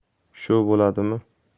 shu bo'ladimi